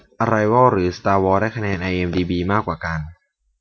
อะไรวอลหรือสตาร์วอร์ได้คะแนนไอเอ็มดีบีมากกว่ากัน